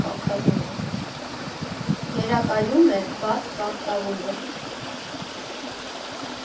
Գերակայում էր բաց կապտավունը։